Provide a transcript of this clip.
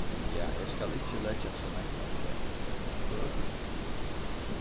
ja eg skal ikki leggja so nógv afturat